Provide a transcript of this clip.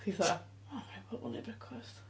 Ac oedd hi fatha, "o 'ma raid bo' pobl yn wneud brecwast".